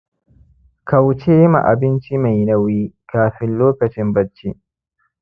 kaucema abinci mai nauyi kafin lokacin bacci